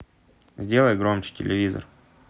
сделай громче телевизор